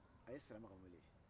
a ye siramakan wele